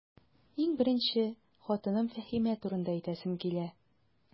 Иң беренче, хатыным Фәһимә турында әйтәсем килә.